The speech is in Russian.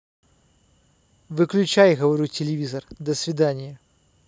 выключай говорю телевизор до свидания